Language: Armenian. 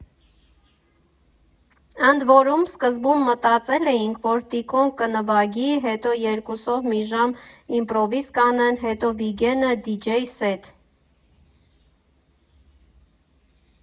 Ընդ որում, սկզբում մտածել էինք, որ Տիկոն կնվագի, հետո երկուսով մի ժամ իմպրովիզ կանեն, հետո Վիգենը՝ դիջեյ սեթ։